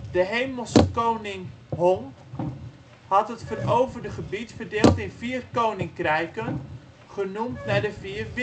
De Hemelse Koning Hong had het veroverde gebied verdeeld in vier Koninkrijken, genoemd naar de vier